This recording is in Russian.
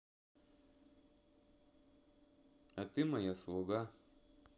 а ты моя слуга